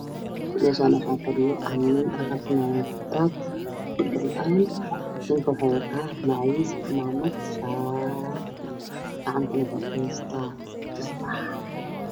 Meshaan waxaa fadhiya nin aqrisanaya kutaab quuraan ninka wuxuu wataa macawis cimamad shaar gacantana wuxuu ku heesta tusbax